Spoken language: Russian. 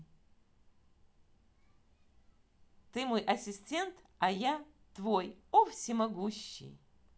ты мой ассистент а я твой о всемогущий